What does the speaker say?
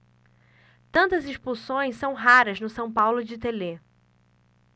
tantas expulsões são raras no são paulo de telê